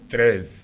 Treize